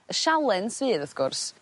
Y sialens sydd wrth gwrs